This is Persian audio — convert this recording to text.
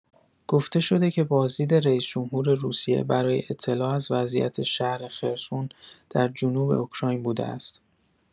گفته‌شده که بازدید رئیس‌جمهور روسیه برای اطلاع از وضعیت شهر خرسون در جنوب اوکراین بوده است.